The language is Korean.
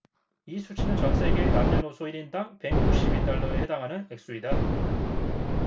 이 수치는 전 세계의 남녀노소 일 인당 백 육십 이 달러에 해당하는 액수이다